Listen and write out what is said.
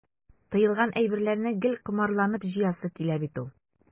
Тыелган әйберне гел комарланып җыясы килә бит ул.